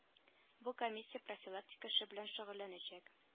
Бу комиссия профилактика эше белән шөгыльләнәчәк